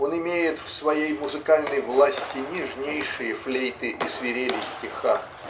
он имеет в своей музыкальной власти нежнейшие флейты и свирели стиха.